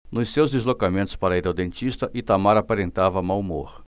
nos seus deslocamentos para ir ao dentista itamar aparentava mau humor